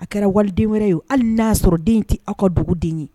A kɛra waliden wɛrɛ ye hali n'a sɔrɔ den tɛ aw ka dugu den ye.